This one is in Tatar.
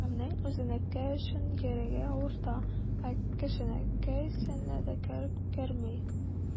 Һәркемнең үзенеке өчен йөрәге авырта, ә кешенеке исенә дә керми.